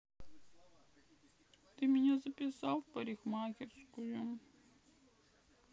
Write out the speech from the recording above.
ты меня записал в парикмахерскую